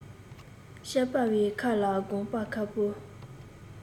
སྐྱེས པའི ཁ ལ དགོས པ ཁ སྤུ